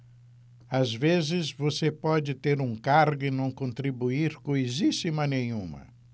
às vezes você pode ter um cargo e não contribuir coisíssima nenhuma